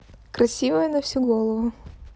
красивая на всю голову